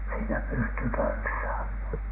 siinä pystyi tanssimaan